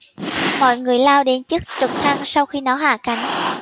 mọi người lao đến chiếc trực thăng sau khi nó hạ cánh